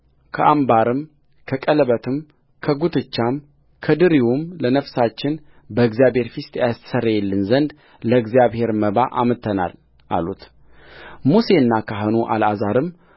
ከአምባርም ከቀለበትም ከጕትቻም ከድሪውም ለነፍሳችን በእግዚአብሔር ፊት ያስተሰርይልን ዘንድ ለእግዚአብሔር መባ አምጥተናል አሉትሙሴና ካህኑ አልዓዛርም